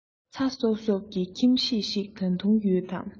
ཚ སོབ སོབ ཀྱི ཁྱིམ གཞིས ཤིག ད དུང ཡོད དམ